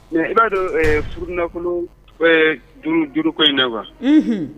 Mais I b'a sɔrɔ ɛɛ furu nafolo ɛ juru ko in na quoi unhun.